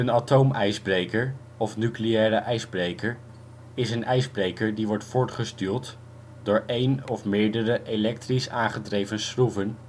atoomijsbreker of nucleaire ijsbreker is een ijsbreker die wordt voortgestuwd door één of meerdere elektrisch aangedreven schroeven